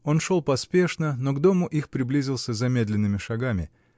Он шел поспешно, но к дому их приблизился замедленными шагами.